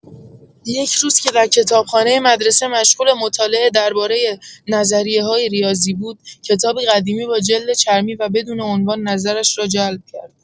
یک روز که در کتابخانه مدرسه مشغول مطالعه دربارۀ نظریه‌های ریاضی بود، کتابی قدیمی با جلد چرمی و بدون عنوان نظرش را جلب کرد.